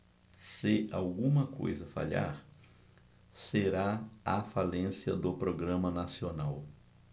se alguma coisa falhar será a falência do programa nacional